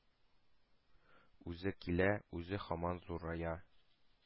Үзе килә, үзе һаман зурая...